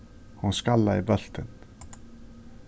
hon skallaði bóltin